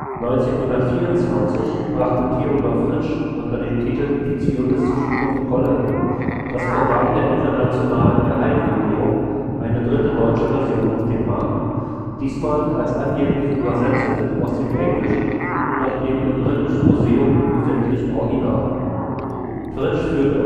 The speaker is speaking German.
1924 brachte Theodor Fritsch unter dem Titel Die Zionistischen Protokolle. Das Programm der internationalen Geheimregierung eine dritte deutsche Version auf den Markt, diesmal als angebliche Übersetzung „ aus dem Englischen nach dem im Britischen Museum befindlichen Original “. Fritsch führte